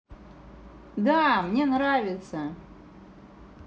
да мне нравится